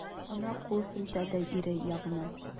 Ана кул селтәде ире ягына.